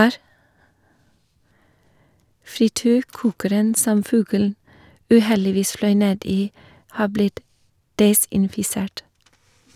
Frityrkokeren som fuglen uheldigvis fløy ned i har blitt desinfisert.